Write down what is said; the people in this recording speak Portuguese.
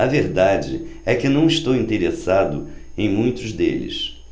a verdade é que não estou interessado em muitos deles